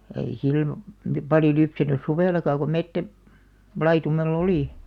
ei silloin paljon lypsänyt suvellakaan kun - metsälaitumella oli